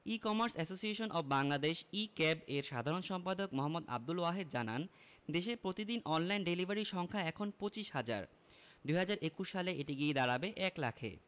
E commerce association of Bangladesh e CAB এর সাধারণ সম্পাদক মো. আবদুল ওয়াহেদ জানান দেশে প্রতিদিন অনলাইন ডেলিভারি সংখ্যা এখন ২৫ হাজার ২০২১ সালে এটি গিয়ে দাঁড়াবে ১ লাখে